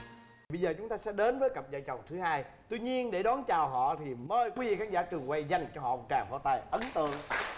bây giờ chúng ta sẽ đến với cặp vợ chồng thứ hai tuy nhiên để đón chào họ thì mời quý vị khán giả trường quay dành cho họ một tràng pháo tay ấn tượng